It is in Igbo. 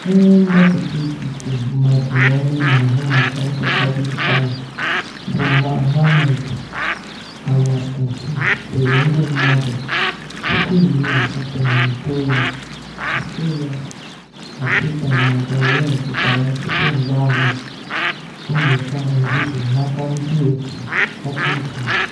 Onye mgbachite ikike mmadụ na onye na-ahụ maka nchekwa dijitaalụ bụ Mohammed Al-Maskati deere ndị mmadụ 89K na-eso ya na Twitter na Bahrain zụtara ọtụtụ ngwaahịa nnyocha nzuzo n'aka ndịotu Hacking Team.